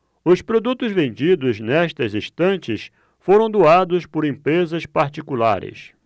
os produtos vendidos nestas estantes foram doados por empresas particulares